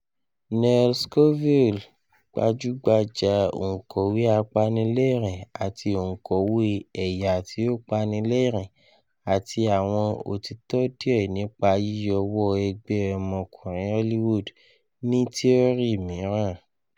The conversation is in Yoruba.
Nell Scovell, gbajugbaja onkọwe apanilẹrin ati onkọwe "Ẹya ti o Pani Lẹrin: Ati Awọn Otitọ Diẹ Nipa Yiyọ wọ Ẹgbẹ Ọmọkùnrin Hollywood "," ni tiọri miiran.